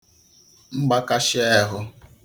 mgbakashị ehụ